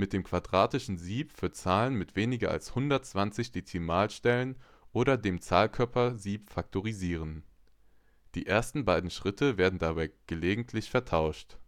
dem Quadratischen Sieb (für Zahlen mit weniger als 120 Dezimalstellen) oder dem Zahlkörpersieb faktorisieren. Die ersten beiden Schritte werden dabei gelegentlich vertauscht